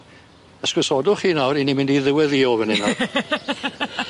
Ysgwysodwch chi nawr 'yn ni mynd i ddyweddio fyn 'yn nawr.